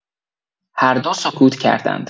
هر دو سکوت کردند.